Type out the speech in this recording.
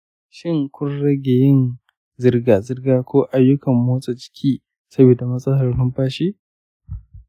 shin kun rage yin zirga-zirga ko ayyukan motsa jiki saboda matsalar numfashi?